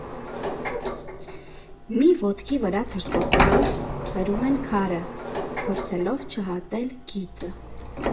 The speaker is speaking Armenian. Մի ոտքի վրա թռչկոտելով՝ հրում են քարը՝ փորձելով չհատել գիծը։